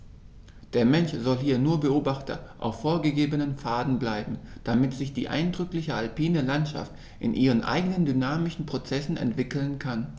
Der Mensch soll hier nur Beobachter auf vorgegebenen Pfaden bleiben, damit sich die eindrückliche alpine Landschaft in ihren eigenen dynamischen Prozessen entwickeln kann.